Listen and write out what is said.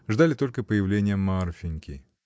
Ждали только появления Марфиньки.